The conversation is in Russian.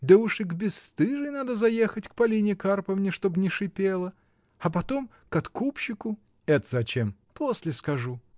Да уж и к бесстыжей надо заехать, к Полине Карповне, чтоб не шипела! А потом к откупщику. — Это зачем? — После скажу.